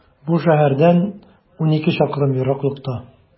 Бу шәһәрдән унике чакрым ераклыкта.